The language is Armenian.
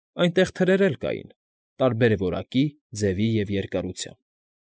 Այնտեղ թրեր էլ կային՝ տարբեր որակի, ձևի ու երկարության։